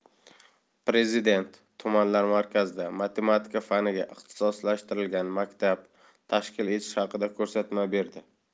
prezident tumanlar markazida matematika faniga ixtisoslashtirilgan maktab tashkil etish haqida ko'rsatma berdi